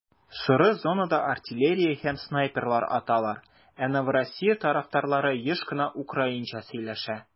Соры зонада артиллерия һәм снайперлар аталар, ә Новороссия тарафтарлары еш кына украинча сөйләшә.